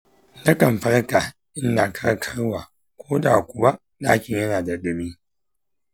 nakan farka ina karkarwa ko da kuwa dakin yana da ɗumi.